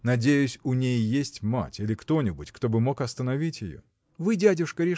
надеюсь, у нее есть мать или кто-нибудь, кто бы мог остановить ее? – Вы дядюшка